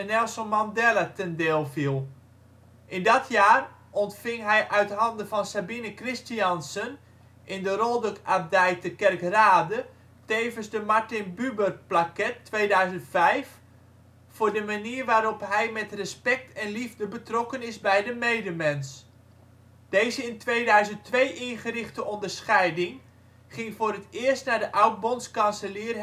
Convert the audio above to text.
Nelson Mandela ten deel viel. In dat jaar ontving hij uit handen van Sabine Christiansen in de Rolduc Abdij te Kerkrade tevens de Martin Buber-Plaquette 2005 voor de manier waarop hij met respect en liefde betrokken is bij de medemens. Deze in 2002 ingerichte onderscheiding ging voor het eerst naar de oud Bondskanselier